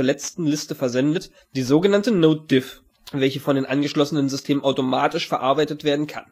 letzten Liste versendet, die so genannte Nodediff, welche von den angeschlossenen Systemen automatisch verarbeitet werden kann.